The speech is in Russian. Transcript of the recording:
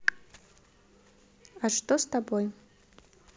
а что с тобой